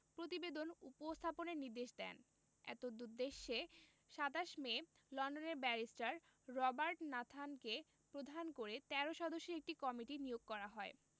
প্রতিবেদন উপস্থাপনের নির্দেশ দেন এতদুদ্দেশ্যে ২৭ মে লন্ডনের ব্যারিস্টার রবার্ট নাথানকে প্রধান করে ১৩ সদস্যের একটি কমিটি নিয়োগ করা হয়